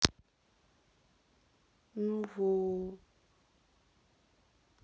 ну во